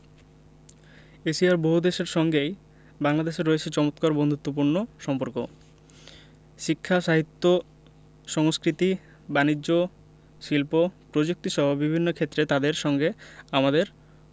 এশিয়ার বহুদেশের সঙ্গেই বাংলাদেশের রয়েছে চমৎকার বন্ধুত্বপূর্ণ সম্পর্ক শিক্ষা সাহিত্য সংস্কৃতি বানিজ্য শিল্প প্রযুক্তিসহ বিভিন্ন ক্ষেত্রে তাদের সঙ্গে আমাদের